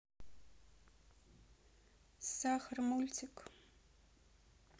сахар мультик